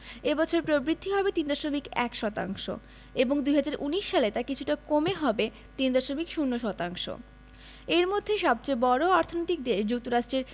এ বছর প্রবৃদ্ধি হবে ৩.১ শতাংশ এবং ২০১৯ সালে তা কিছুটা কমে হবে ৩.০ শতাংশ এর মধ্যে সবচেয়ে বড় অর্থনৈতিক দেশ যুক্তরাষ্ট্রের